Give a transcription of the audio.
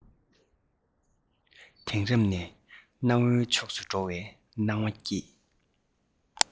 དེང རབས ནས གནའ བོའི ཕྱོགས སུ འགྲོ བའི སྣང བ སྐྱེས